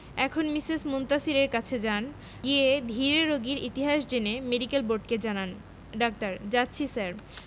এখন মিসেস মুনতাসীরের কাছে যান গিয়ে ধীরে রোগীর ইতিহাস জেনে মেডিকেল বোর্ডকে জানান ডাক্তার যাচ্ছি স্যার